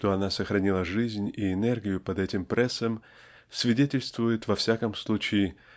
что она сохранила жизнь и энергию и под этим прессом свидетельствует во всяком случае